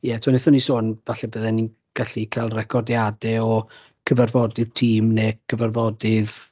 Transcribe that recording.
Ie tibod wnaethon ni sôn falle byddwn ni'n gallu cael recordiadau o cyfarfodydd tîm neu cyfarfodydd